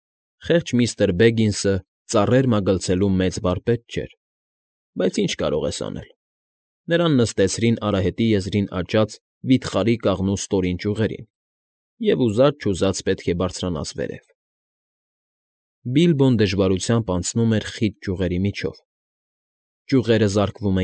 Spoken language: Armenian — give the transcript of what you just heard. Խեղճ միստր Բեգինսը ծառեր մագլցելու մեծ վարպետ չէր, բայց ինչ կարող ես անել. նրան նստեցրին արահետի եզրին աճած վիթխարի կաղնու ստորին ճյուղերին, և ուզած֊չուզած պետք է բարձրանաս վերև։